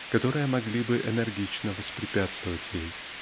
которые могли бы энергично воспрепятствовать ей.